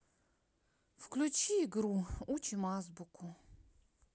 включи игру учим азбуку